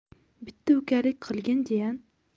bitta ukalik qilgin jiyan